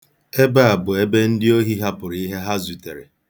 Ebe a bụ ebe ndị ohi hapụrụ ihe ha zutere.